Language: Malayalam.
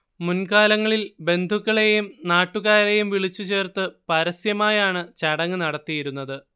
മുൻകാലങ്ങളിൽ ബന്ധുക്കളെയും നാട്ടുകാരെയും വിളിച്ചുചേർത്തു പരസ്യമായാണ് ചടങ്ങ് നടത്തിയിരുന്നത്